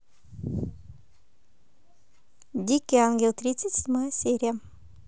дикий ангел тридцать седьмая серия